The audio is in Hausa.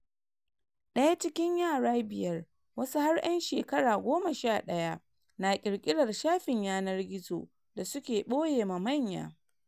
Daya cikin yara biyar - wasu har yan shekara 11 - na kirkirar shafin yanar gizo da suke boyema manya.